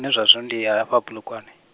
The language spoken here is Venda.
nṋe zwa zwino ndi hafha Bulugwane.